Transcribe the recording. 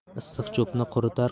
issiq cho'pni quritar